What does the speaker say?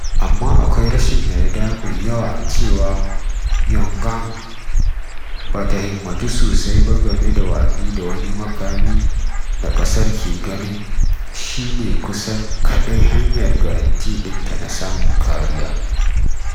Amma akwai rashin yarda mai yawa cewa Pyongyang ba ta himmatu sosai ba game da watsi da wani makami da ƙasar ke ganin shi ne kusan kaɗai hanyar garanti ɗinta na samun kariya.